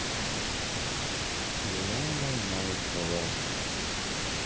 диана найкова